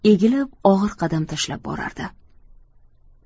egilib og'ir qadam tashlab borardi